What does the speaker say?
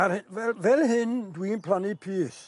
Ar hy- fel, fel hyn dwi'n plannu pys.